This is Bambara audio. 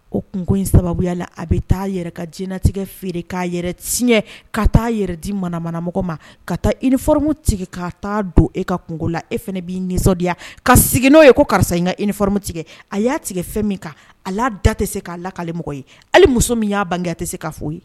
O kungo in sababuya la a bɛ taa yɛrɛ ka jinɛtigɛ feere k'a yɛrɛ tiɲɛ ka taa yɛrɛ di mana manamɔgɔ ma ka taa i nimu tigɛ ka' don e ka kungo la e fana b'i nisɔndiyaya ka segin n'o ye ko karisa n ka i ni fmu tigɛ a y'a tigɛ fɛn min kan a la da tɛ se k'a la k'alemɔgɔ ye hali muso min y'a bange tɛ se k'a fɔ ye